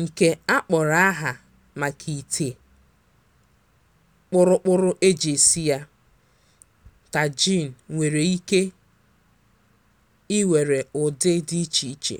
Nke a kpọrọ aha maka ite kpụrụkpụrụ e ji esi ya, tajine nwere ike iwere ụdị dị icheiche;